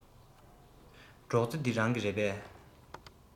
སྒྲོག རྩེ འདི རང གི རེད པས